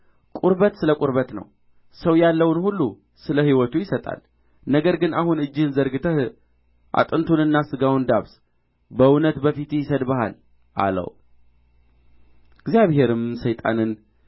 ቁርበት ስለ ቁርበት ነው ሰው ያለውን ሁሉ ስለ ሕይወቱ ይሰጣል ነገር ግን አሁን እጅህን ዘርግተህ አጥንቱንና ሥጋውን ዳብስ በእውነት በፊትህ ይሰድብሃል አለው እግዚአብሔም ሰይጣንን